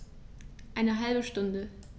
Eine halbe Stunde